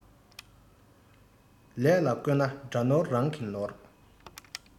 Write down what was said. ལས ལ བཀོད ན དགྲ ནོར རང གི ནོར